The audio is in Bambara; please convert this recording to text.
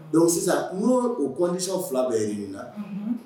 Donc sisan n'o o condition 2 bɛɛ réuni na unhun